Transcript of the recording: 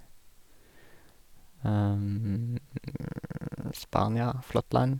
Spania, flott land.